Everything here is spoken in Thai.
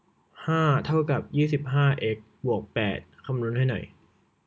ห้าเท่ากับยี่สิบห้าเอ็กซ์บวกแปดคำนวณให้หน่อย